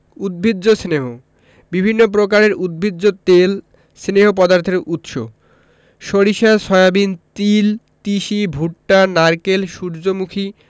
উদ্ভিজ্জ স্নেহ বিভিন্ন প্রকারের উদ্ভিজ তেল স্নেহ পদার্থের উৎস সরিষা সয়াবিন তিল তিসি ভুট্টা নারকেল সুর্যমুখী